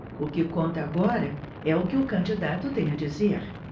o que conta agora é o que o candidato tem a dizer